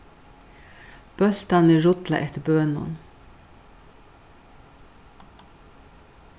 bóltarnir rulla eftir bønum